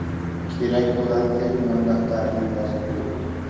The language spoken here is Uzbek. kerak bo'ladi deb yondaftariga yozib qo'yibdi